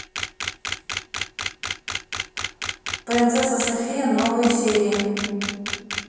принцесса софия новые серии